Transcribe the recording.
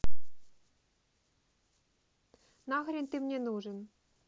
нахрен ты мне нужен